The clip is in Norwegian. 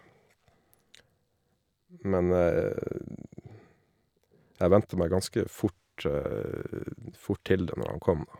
Men jeg vente meg ganske fort fort til det når han kom, da.